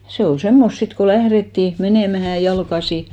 se oli semmoista sitten kun lähdettiin menemään jalkaisin